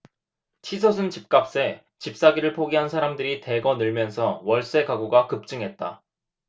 치솟은 집값에 집사기를 포기한 사람들이 대거 늘면서 월세 가구가 급증했다